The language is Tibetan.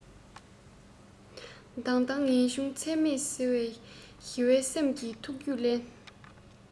དད དང ངེས འབྱུང འཚེ མེད ཟིལ བས ཞི བའི སེམས ཀྱི ཐུགས རྒྱུད བརླན